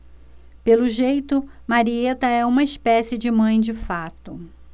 pelo jeito marieta é uma espécie de mãe de fato